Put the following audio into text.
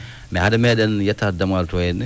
mais hade meeɗen yottaade damal too henne